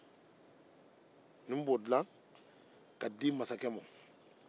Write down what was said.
ni masa ko k'ale ye masa ye a ka di a ye ka foro ɲini k'a jiri tigɛ